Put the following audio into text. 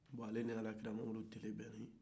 ale ni alakira mamadu tilen bɛnna